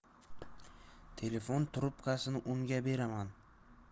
telefon trubkasini unga beraman